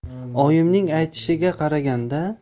oyimning aytishiga qaraganda